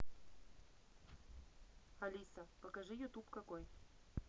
алиса покажи ютуб какой